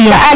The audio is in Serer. i